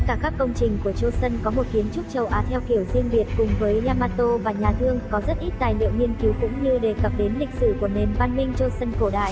tất cả các công trình của choson có một kiến trúc châu á theo kiểu riêng biệt cùng với yamato và nhà thương có rất ít tài liệu nghiên cứu cũng như đề cập đến lịch sử của nền văn minh choson cổ đại